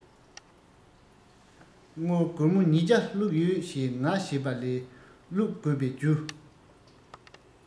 དངུལ སྒོར མོ ཉི བརྒྱ བླུག ཡོད ཞེས ང ཞེས པ ལས བླུག དགོས པའི རྒྱུ